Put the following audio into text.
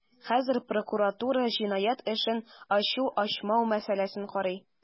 Хәзер прокуратура җинаять эшен ачу-ачмау мәсьәләсен карый.